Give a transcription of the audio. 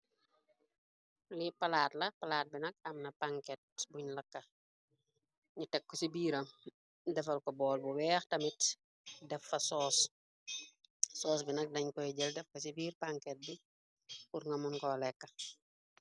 Li palaat la, palaat bi nak amna panket buñ lakka ñu tekk , ci biira defal ko bool bu weex tamit defa soos, soos bi nak dañ koy jël defa ci biir panket bi kurngamun ko lekka.